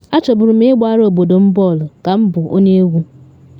“Achọburu m ịgbara obodo m bọọlụ ka m bụ onye egwu.